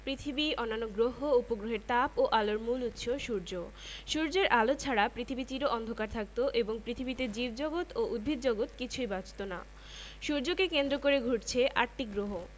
পৃথিবী অন্যান্য গ্রহ উপগ্রহের তাপ ও আলোর মূল উৎস সূর্য সূর্যের আলো ছাড়া পৃথিবী চির অন্ধকার থাকত এবং পৃথিবীতে জীবজগত ও উদ্ভিদজগৎ কিছুই বাঁচত না সূর্যকে কেন্দ্র করে ঘুরছে আটটি গ্রহ